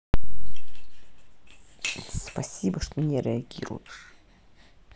спасибо что не реагируешь